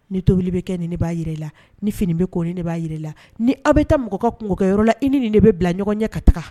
Ni tobili bɛ kɛ ni ne b'a jira la ni fini bɛ ko ne b'a jira la ni aw bɛ taa mɔgɔ ka kungokɛ yɔrɔ la i ni de bɛ bila ɲɔgɔn ɲɛ ka taga